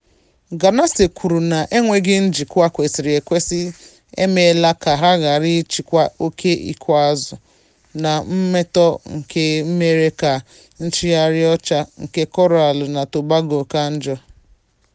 Ganase kwuru na enweghị njikwa kwesịrị ekwesị emeela ka ha ghara ịchịkwa oke ịkụazụ na mmetọ nke mere ka nchagharị ọcha nke Koraalụ na Tobago ka njọ.